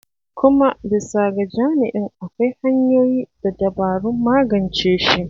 Kuma, bisa ga jami'in, akwai hanyoyi da dabarun magance shi.